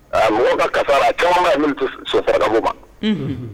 Mɔgɔ ka ka caman sofadamu ma